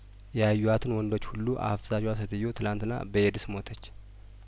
ያዩዋትን ወንዶች ሁሉ አፍዛዧ ሴትዮ ትላንትና በኤድስ ሞተች